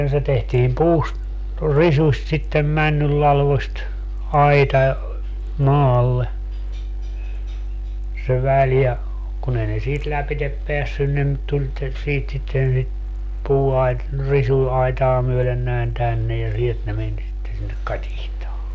se tehtiin puusta risuista sitten männynlatvoista aita maalle se väli ja kun ei ne siitä lävitse päässyt ne - tuli - siitä sitten sitä - risuaitaa myöden näin tänne ja sieltä ne meni sitten sinne katiskaan